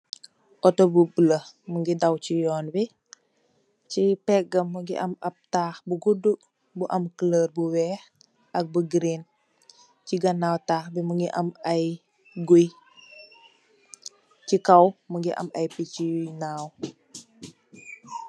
Auto bu bulo mungi daw ci yoon bi. Chi pègam mungi am taha bu guddu bu am kuloor bu weeh ak bu green. Chi ganaaw taha bi mungi am ay gouyè. Chi kaw mungi am ay pichi yi ñaw.